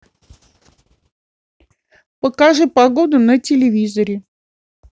покажи погоду на телевизоре